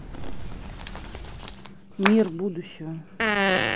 мир будущего